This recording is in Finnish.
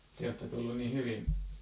te olette tulleet niin hyvin